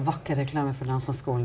vakker reklame for Nansenskolen.